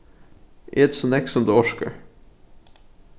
et so nógv sum tú orkar